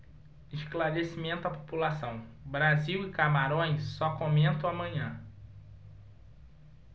esclarecimento à população brasil e camarões só comento amanhã